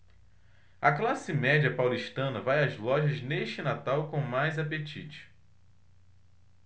a classe média paulistana vai às lojas neste natal com mais apetite